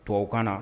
Tuwawu kan na